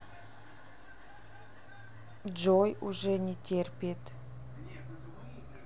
джой уже не терпит